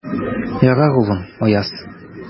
Ярар, улым, Аяз.